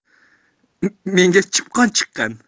menda chipqon chiqqan